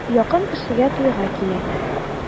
Якын кешегә туйга килә.